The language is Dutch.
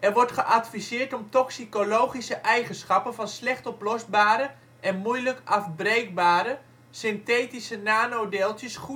wordt geadviseerd om toxicologische eigenschappen van slecht oplosbare en moeilijk afbreekbare, synthetische nanodeeltjes